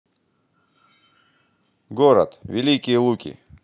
город великие луки